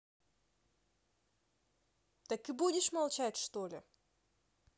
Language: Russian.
так и будешь молчать что ли